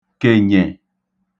kènyè